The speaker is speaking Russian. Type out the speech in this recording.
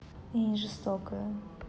я не жестокая